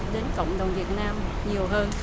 nhiều hơn